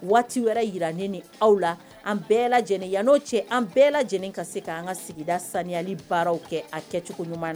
Waati wɛrɛ yira ne ni aw la an bɛɛ lajɛlen yan n'o cɛ an bɛɛ lajɛlen ka sen ka an ka sigida saniyali baaraw kɛ a kɛcogo ɲuman na